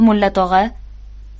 mulla tog'a